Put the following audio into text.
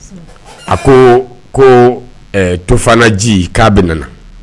A ko ko to fanaji k'a bɛ nana